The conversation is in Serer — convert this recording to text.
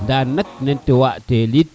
nda nak nete waaɗ teelit